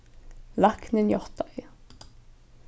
læknin játtaði